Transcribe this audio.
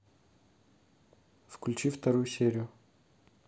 включи вторую серию